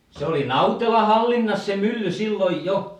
se oli Nautela hallinnassa se mylly silloin jo